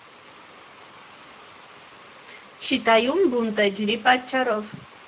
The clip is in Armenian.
Չիտայում բունտ է՝ ջրի պատճառով։